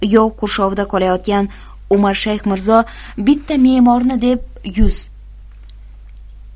yov qurshovida qolayotgan umarshayx mirzo bitta me'morni deb yuz